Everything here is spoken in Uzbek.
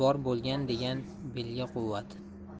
bor bo'l degan belga quvvat